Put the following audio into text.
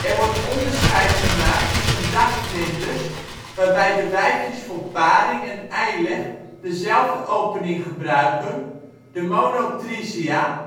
wordt onderscheid gemaakt tussen dagvlinders waarbij de wijfjes voor paring en eileg dezelfde opening gebruiken, de Monotrysia